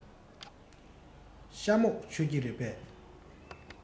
ཤ མོག མཆོད ཀྱི རེད པས